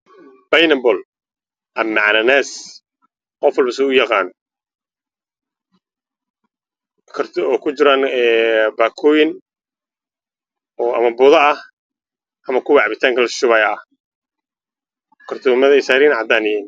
Waa kartomo ah ku jiraan cananaas kala duwan